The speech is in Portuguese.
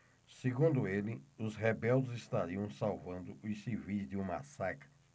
segundo ele os rebeldes estariam salvando os civis de um massacre